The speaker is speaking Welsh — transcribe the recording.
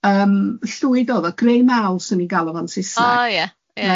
Yym, llwyd o'dd o, grey marl 'swn i'n galw fo yn Saesneg.